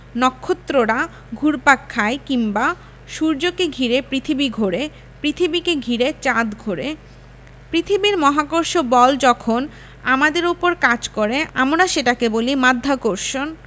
নক্ষত্ররা ঘুরপাক খায় কিংবা সূর্যকে ঘিরে পৃথিবী ঘোরে পৃথিবীকে ঘিরে চাঁদ ঘোরে পৃথিবীর মহাকর্ষ বল যখন আমাদের ওপর কাজ করে আমরা সেটাকে বলি মাধ্যাকর্ষণ